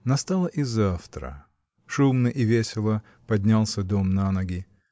Настало и завтра. Шумно и весело поднялся дом на ноги.